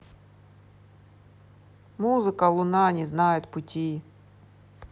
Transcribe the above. музыка луна не знает пути